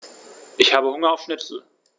Ich habe Hunger auf Schnitzel.